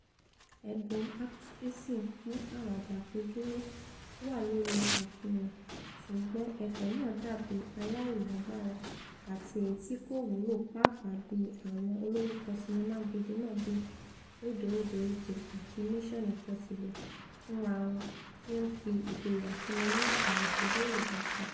Ẹ̀bùn Atkinson fún àwàdà àfojúrí wà lórí àfihàn, ṣùgbọ́n ẹ̀fẹ̀ náà dàbí aláìlágbárá àti èyití kò wúlò papàá bí àwọn olórúkọ sinnimá ''gidi'' náà bíi 007 àti Mission Impossible fúnrawọn ti ńfi ìgboyà fúnni ní àwàdà bí èròja kan.